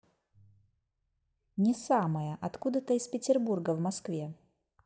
не самая откуда то из петербурга в москве